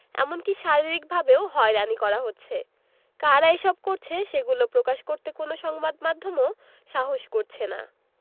এমনকি শারীরিকভাবেও হয়রানি করা হচ্ছে কারা এসব করছে সেগুলো প্রকাশ করতে কোনো সংবাদ মাধ্যমও সাহস করছে না